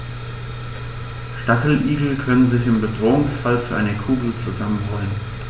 Stacheligel können sich im Bedrohungsfall zu einer Kugel zusammenrollen.